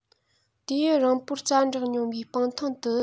དུས ཡུན རིང པོར རྩྭ འབྲེག མྱོང བའི སྤང ཐང དུ